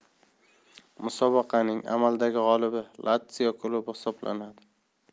musobaqaning amaldagi g'olibi latsio klubi hisoblanadi